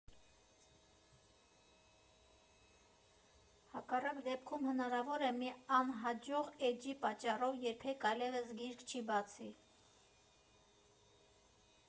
Հակառակ դեպքում հնարավոր է մի անհաջող էջի պատճառով երբեք այլևս գիրք չի բացի։